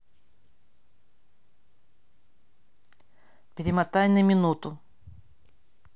перемотай на минуту